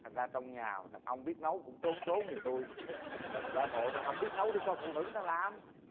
thành ra trong nhà mà ông biết nấu cũng trốn trốn dùm tui giả bộ hổng biết nấu để phụ nữ người ta làm